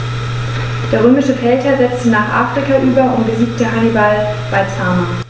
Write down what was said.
Der römische Feldherr setzte nach Afrika über und besiegte Hannibal bei Zama.